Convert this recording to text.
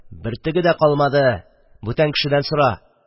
Бөртеге дә калмады. Бүтән кешедән сора...